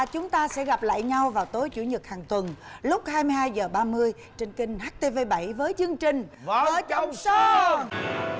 và chúng ta sẽ gặp lại nhau vào tối chủ nhật hàng tuần lúc hai mươi hai giờ ba mươi trên kênh hắt tê vê bảy với chương trình vợ chồng son